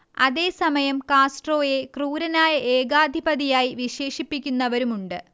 അതേ സമയം കാസ്ട്രോയെ ക്രൂരനായ ഏകാധിപതിയായി വിശേഷിപ്പിക്കുന്നവരുമുണ്ട്